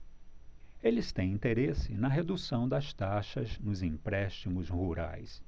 eles têm interesse na redução das taxas nos empréstimos rurais